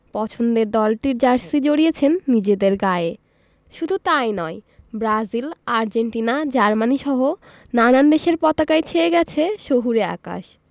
পছন্দের দলটির জার্সি জড়িয়েছেন নিজেদের গায়ে শুধু তা ই নয় ব্রাজিল আর্জেন্টিনা জার্মানিসহ নানান দেশের পতাকায় ছেয়ে গেছে শহুরে আকাশ